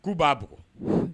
K'u b'a bugɔ